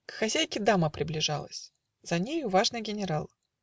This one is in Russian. К хозяйке дама приближалась, За нею важный генерал.